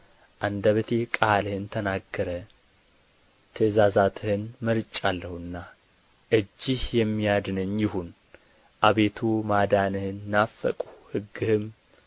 አንደበቴ ቃልህን ተናገረ ትእዛዛትህን መርጫለሁና እጅህ የሚያድነኝ ይሁን አቤቱ ማዳንህን ናፈቅሁ ሕግህም